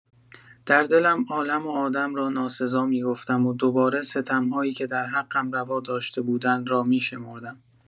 در دلم عالم و آدم را ناسزا می‌گفتم و دوباره ستم‌هایی که در حقم روا داشته بودند را می‌شمردم.